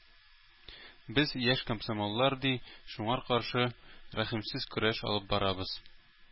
Без, яшь комсомоллар, ди, шуңар каршы рәхимсез көрәш алып барабыз.